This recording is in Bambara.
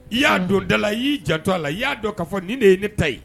I ya don dala la. I yi janto a la. I ya dɔn ka fɔ ni ne ye ne ta ye.